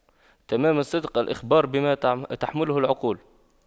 تمام الصدق الإخبار بما تحمله العقول